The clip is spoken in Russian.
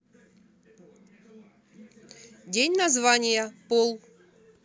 день названия пол